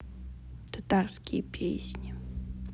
татарские песни